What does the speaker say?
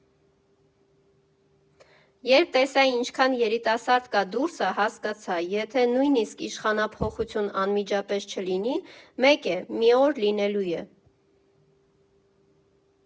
Երբ տեսա՝ ինչքան երիտասարդ կա դուրսը, հասկացա՝ եթե նույնիսկ իշխանափոխությունն անմիջապես չլինի, մեկ է՝ մի օր լինելու է։